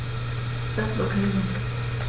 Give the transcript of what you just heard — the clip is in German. Das ist ok so.